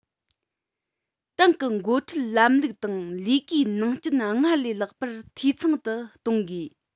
ཏང གི འགོ ཁྲིད ལམ ལུགས དང ལས ཀའི ནང རྐྱེན སྔར ལས ལྷག པར འཐུས ཚང དུ གཏོང དགོས